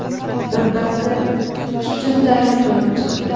birpasda ikki cho'ntagim to'lib chiqdi